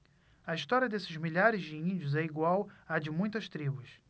a história desses milhares de índios é igual à de muitas tribos